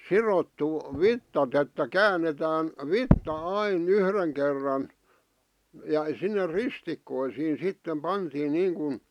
sidottu vitsat että käännetään vitsa aina yhden kerran ja sinne ristikkoisiin sitten pantiin niin kuin